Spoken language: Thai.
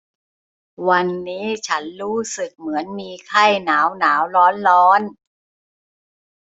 วันนี้ฉันรู้สึกเหมือนมีไข้หนาวหนาวร้อนร้อน